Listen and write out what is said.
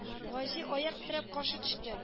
Гази аяк терәп каршы төште